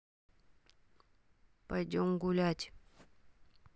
пойдем гулять